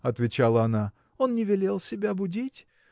– отвечала она, – он не велел себя будить.